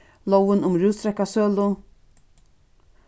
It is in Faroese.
lógin um rúsdrekkasølu